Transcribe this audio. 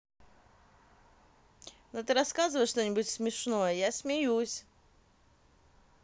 ну ты рассказываешь что нибудь смешное я смеюсь